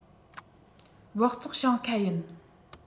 སྦགས བཙོག ཞིང ཁ ཡིན